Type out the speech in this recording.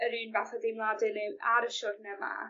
yr un fath o deimlade ne' yw ar y siwrne 'ma